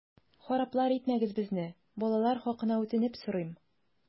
Хараплар итмәгез безне, балалар хакына үтенеп сорыйм!